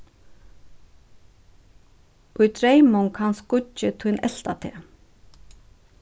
í dreymum kann skuggi tín elta teg